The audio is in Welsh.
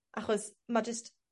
Achos ma' jyst